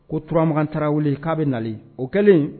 Ko turama tarawele wuli k'a bɛ na o kɛlen